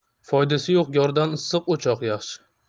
foydasi yo'q yordan issiq o'choq yaxshi